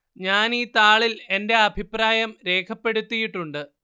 ഞാന് ഈ താളില്‍ എന്റെ അഭിപ്രായം രേഖപ്പെടുത്തിയിട്ടുണ്ട്